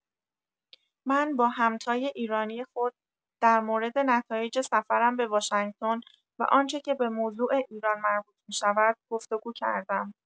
من با همتای ایرانی خود در مورد نتایج سفرم به واشنگتن و آنچه که به موضوع ایران مربوط می‌شود، گفت‌وگو کردم.